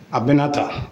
A bɛɛ na ta